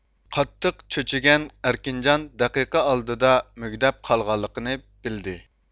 قاتتىق چۆچۈگەن ئەركىنجان دەقىقە ئالدىدا مۈگدەپ قالغانلىقىنى بىلدى